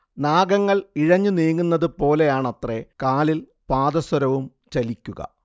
നാഗങ്ങൾ ഇഴഞ്ഞുനീങ്ങുന്നത് പോലെയാണത്രെ കാലിൽ പാദസരവും ചലിക്കുക